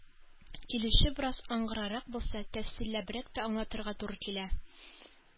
Килүче бераз аңгырарак булса, тәфсилләбрәк тә аңлатырга туры килә.